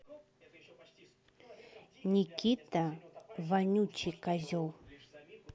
никита вонючий козел